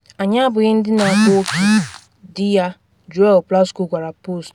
Anyị abụghị ndị na akpa oke,” di ya Joel Plasco gwara Post.